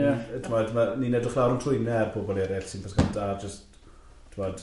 T'mod, ma' ni'n edrych lawr yn trwyne ar bobl eraill sy'n bysgota a jyst, t'mod.